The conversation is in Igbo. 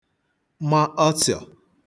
ma ọsịọ̀